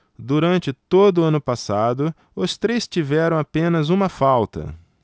durante todo o ano passado os três tiveram apenas uma falta